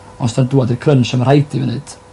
Os 'da'n dŵad i crynsh a ma' rhaid i fi neud